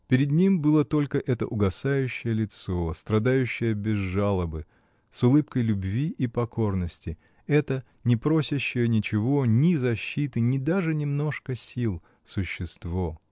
Перед ним было только это угасающее лицо, страдающее без жалобы, с улыбкой любви и покорности, — это, не просящее ничего, ни защиты, ни даже немножко сил, существо!